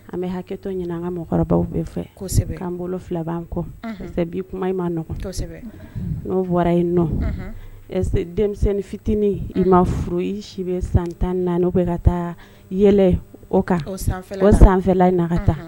An bɛ hakɛ ɲini an ka mɔgɔkɔrɔba bɛɛ fɛ kosɛbɛ anan bolo fila bɛan kɔ bi kuma i ma kosɛbɛ n fɔra yen n nɔ ɛ denmisɛnnin fitinin i ma furu i si bɛ san tan ni n'o bɛ ka taa yɛlɛ o kan o sanla i taa